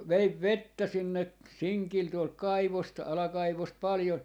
ja vein vettä sinne sinkillä tuolta kaivosta alakaivosta paljon